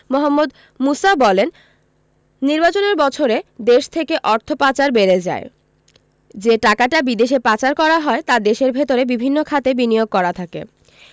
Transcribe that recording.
মোহাম্মদ মুসা বলেন নির্বাচনের বছরে দেশ থেকে অর্থ পাচার বেড়ে যায় যে টাকাটা বিদেশে পাচার করা হয় তা দেশের ভেতরে বিভিন্ন খাতে বিনিয়োগ করা থাকে